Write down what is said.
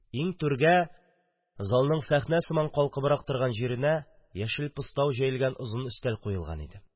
Иң түргә – залның сәхнә сыман калкыбрак торган җиренә – яшел постау җәелгән озын өстәл куелган иде.